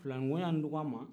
filani tɔɲɔgɔn de ko a ma